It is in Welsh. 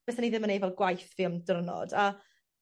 Fysen i ddim yn neu' fel gwaith fi am di'rnod a